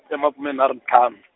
e makume nharhu ntlhanu.